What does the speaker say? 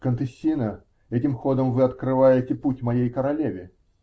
-- Контессина, этим ходом вы открываете путь моей королеве.